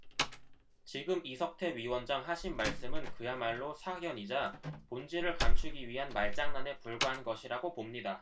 지금 이석태 위원장 하신 말씀은 그야말로 사견이자 본질을 감추기 위한 말장난에 불과한 것이라고 봅니다